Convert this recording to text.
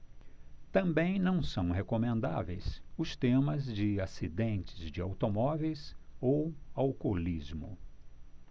também não são recomendáveis os temas de acidentes de automóveis ou alcoolismo